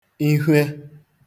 ihwe